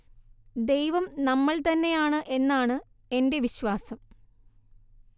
ദൈവം നമ്മൾ തന്നെയാണ് എന്നാണ് എന്റെ വിശ്വാസം